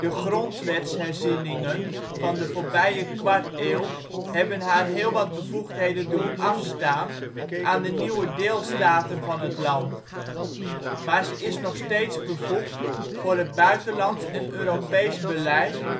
grondwetsherzieningen van de voorbije kwarteeuw hebben haar heel wat bevoegdheden doen afstaan aan de nieuwe deelstaten van het land. Maar ze is nog steeds bevoegd voor het buitenlands en Europees beleid